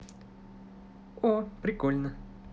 о прикольно